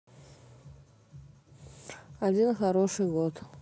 один хороший год